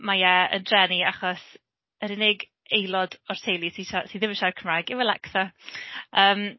Mae e yn drueni achos yr unig aelod o'r teulu sy'n sia- sy ddim yn siarad Cymraeg yw Alexa yym...